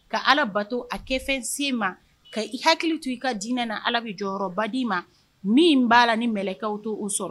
Ka ala bato a kɛfɛnsen ma ka i hakili to i ka diinɛ na ala bɛ jɔyɔrɔba di ma min b'a la ni mkaw to' sɔrɔ